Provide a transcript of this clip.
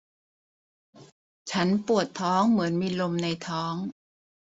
ฉันปวดท้องเหมือนมีลมในท้อง